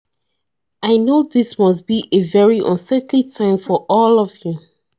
I know this must be a very unsettling time for all of you.